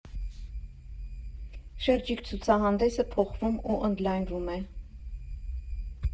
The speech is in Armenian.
Շրջիկ ցուցասրահը փոխվում ու ընդլայնվում է։